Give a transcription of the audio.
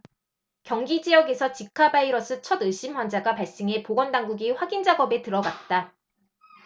경기지역에서 지카바이러스 첫 의심환자가 발생해 보건당국이 확인 작업에 들어갔다